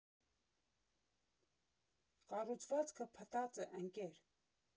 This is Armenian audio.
Կառուցվածքը փտած է, ընկեր։